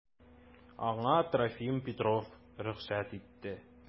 Аңа Трофим Петров рөхсәт итте.